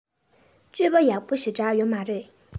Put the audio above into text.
སྤྱོད པ ཡག པོ ཞེ དྲགས ཡོད མ རེད